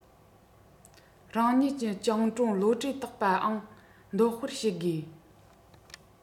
རང ཉིད ཀྱི སྤྱང གྲུང བློ གྲོས དག པའང འདོན སྤེལ བྱེད དགོས